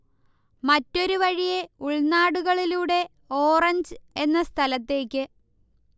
മറ്റൊരു വഴിയെ, ഉൾനാടുകളിലൂടെ, ഓറഞ്ച് എന്ന സ്ഥലത്തേക്ക്